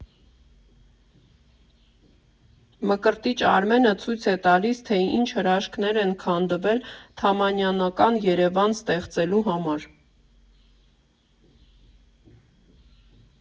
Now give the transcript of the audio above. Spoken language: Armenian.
Մկրտիչ Արմենը ցույց է տալիս, թե ինչ հրաշքներ են քանդվել թամանյանական Երևան ստեղծելու համար։